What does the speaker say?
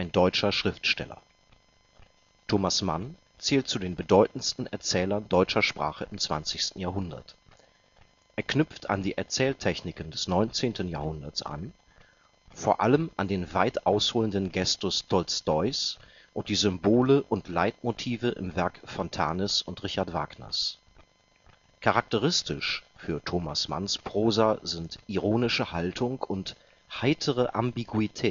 deutscher Schriftsteller. Thomas Mann zählt zu den bedeutendsten Erzählern deutscher Sprache im 20. Jahrhundert. Er knüpft an die Erzähltechniken des 19. Jahrhunderts an, vor allem an den weit ausholenden Gestus Tolstois und die Symbole und Leitmotive im Werk Fontanes und Richard Wagners. Charakteristisch für Thomas Manns Prosa sind ironische Haltung und „ heitere Ambiguität